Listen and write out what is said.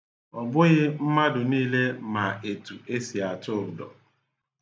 Ọ bụghi mmadụ niile ma etu e si na-atu ụdọ.